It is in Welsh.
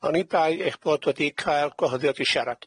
Oni bai eich bod wedi cael gwahoddiad i siarad.